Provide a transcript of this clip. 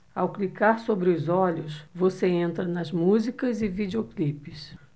ao clicar sobre os olhos você entra nas músicas e videoclipes